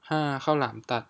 ห้าข้าวหลามตัด